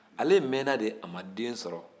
ale mɛnna de a ma den sɔrɔ